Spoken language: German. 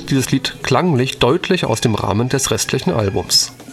Lied klanglich deutlich aus dem Rahmen des restlichen Albums